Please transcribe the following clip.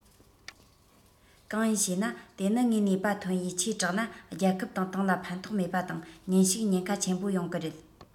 གང ཡིན ཞེ ན དེ ནི ངས ནུས པ ཐོན ཡས ཆེ དྲགས ན རྒྱལ ཁབ དང ཏང ལ ཕན ཐོགས མེད པ དང ཉིན ཞིག ཉེན ཁ ཆེན པོ ཡོང གི རེད